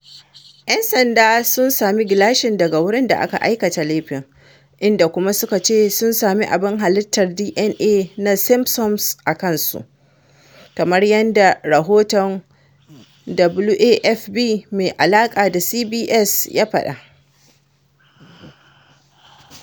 ‘Yan sanda sun sami gilashin daga wurin da aka aikata laifin inda suka kuma ce sun sami abin halittar DNA na Simpson a kansu, kamar yadda rahoton WAFB mai alaƙa da CBS ya faɗa.